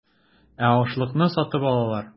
Ә ашлыкны сатып алалар.